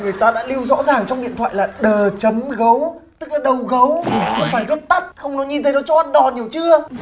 người ta đã lưu rõ ràng trong điện thoại là đờ chấm gấu tức là đầu gấu nhưng phải viết tắt không nó nhìn thấy nó cho ăn đòn hiểu chưa